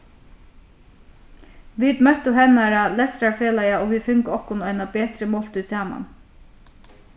vit møttu hennara lestrarfelaga og vit fingu okkum eina betri máltíð saman